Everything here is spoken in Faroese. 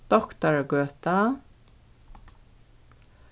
doktaragøta